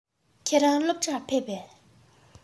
ཁྱེད རང སློབ གྲྭར ཕེབས པས